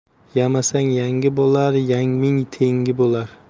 yamasang yangi bo'lar yangming tengi bo'lar